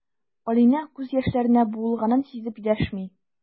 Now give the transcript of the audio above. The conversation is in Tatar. Алинә күз яшьләренә буылганын сизеп дәшми.